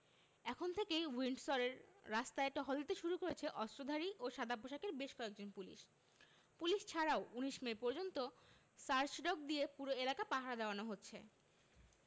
এখন থেকেই উইন্ডসরের রাস্তায় টহল দিতে শুরু করেছে অস্ত্রধারী ও সাদাপোশাকের বেশ কয়েকজন পুলিশ পুলিশ ছাড়াও ১৯ মে পর্যন্ত সার্চ ডগ দিয়ে পুরো এলাকা পাহারা দেওয়ানো হচ্ছে